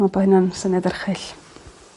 me'wl bo' hynna'n syniad erchyll.